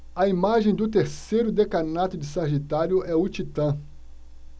a imagem do terceiro decanato de sagitário é o titã